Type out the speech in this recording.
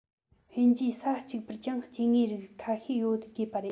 དབྱིན ཇིའི ས གཅིག པུར ཀྱང སྐྱེ དངོས རིགས ཁ ཤས ཡོད དགོས པ རེད